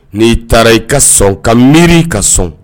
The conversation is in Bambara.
N'i taara i ka sɔn ka miiri ka sɔn